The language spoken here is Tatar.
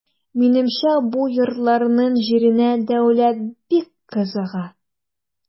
Минемчә бу йортларның җиренә дәүләт бик кызыга.